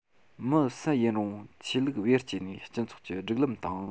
མི སུ ཡིན རུང ཆོས ལུགས བེད སྤྱད ནས སྤྱི ཚོགས ཀྱི སྒྲིག ལམ དང